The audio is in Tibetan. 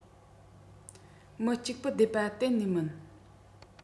མི གཅིག པུ བསྡད པ གཏན ནས མིན